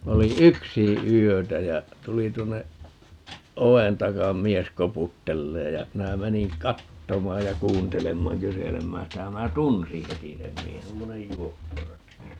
olin yksin yötä ja tuli tuonne oven taa mies koputtelemaan ja minä menin katsomaan ja kuuntelemaan kyselemään sitä ja minä tunsin heti sen miehen semmoinen juopporatti